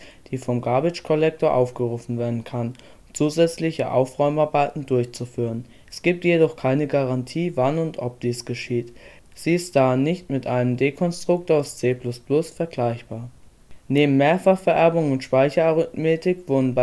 die vom GC aufgerufen werden kann, um zusätzliche „ Aufräumarbeiten “durchzuführen. Es gibt jedoch keine Garantie, wann und ob dies geschieht. Sie ist daher nicht mit einem Dekonstruktor aus C++ vergleichbar. Neben Mehrfachvererbung und Speicherarithmetik wurden